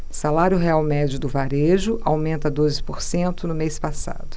salário real médio do varejo aumenta doze por cento no mês passado